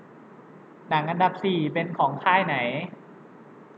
หนังอันดับสี่เป็นของค่ายไหน